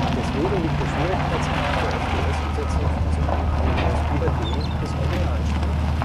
Deswegen liegt der Schwierigkeitsgrad der FDS-Umsetzung von Super Mario Bros. über dem des Originalspiels